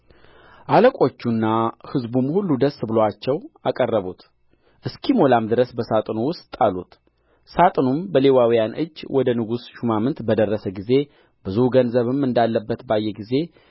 አለቆቹና ሕዝቡም ሁሉ ደስ ብሎአቸው አቀረቡት እስኪሞላም ድረስ በሣጥኑ ውስጥ ጣሉት ሣጥኑም በሌዋውያን እጅ ወደ ንጉሡ ሹማምት በደረሰ ጊዜ ብዙ ገንዘብም እንዳለበት ባየ ጊዜ